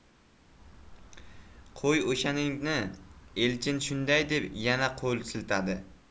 qo'y o'shaningni elchin shunday deb yana qo'l siltadi